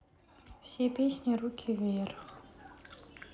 все песни руки вверх